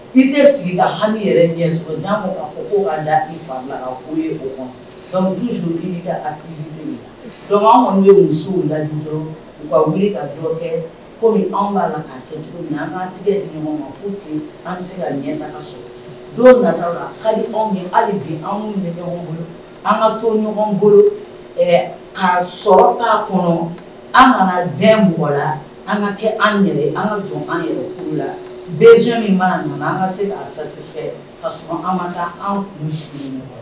N tɛ sigi kami yɛrɛ ɲɛ sɔrɔ ka da anw minnu bɛ misi la u' ka kɛ anw'a la kɛ an bɛ se ka don anw hali bi anw ɲɔgɔn bolo an ka to ɲɔgɔn bolo ka sɔrɔ k'a kɔnɔ an nana den mɔgɔ la an ka kɛ an yɛrɛ an ka jɔ an la min b'a nana an ka se ka sɔn an ka taa anw